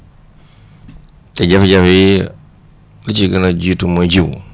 te jafe-jafe yi li ciy gën a jiitu mooy jiw